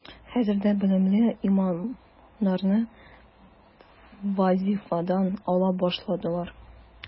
Хәзер дә белемле имамнарны вазифадан ала башладылар.